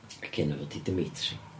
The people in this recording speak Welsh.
Ac enw fo 'di Dimitri.